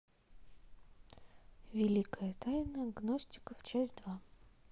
великая тайна гностиков часть два